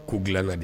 K’u dilan na de